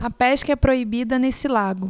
a pesca é proibida nesse lago